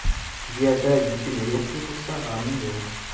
tuyada yukim yo'q yiqilsa g'amim yo'q